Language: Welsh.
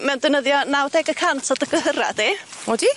Mae'n defnyddio naw deg y cant o dy gyhyra di. Odi?